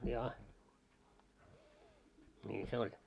jaa niin se oli